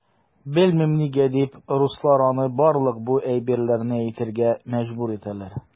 Белмим, нигә дип руслар аны барлык бу әйберләрне әйтергә мәҗбүр итәләр.